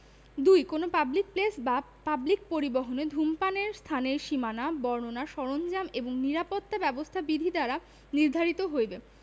২ কোন public place বা public পরিবহণে ধূমপানের স্থানের সীমানা বর্ণনা সরঞ্জাম এবং নিরাপত্তা ব্যবস্থা বিধি দ্বারা নির্ধারিত হইবে